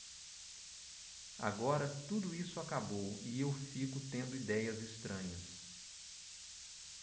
agora tudo isso acabou e eu fico tendo idéias estranhas